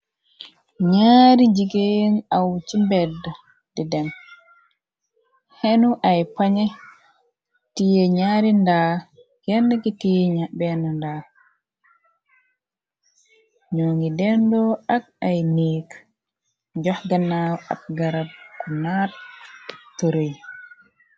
ñaari jigéen aw ci mbedd di den xenu ay pañe tii ñaari ndaal genn gi tieñ benn ndaal ñoo ngi dendoo ak ay néek jox gannaaw ab garab ku naat ab tërëy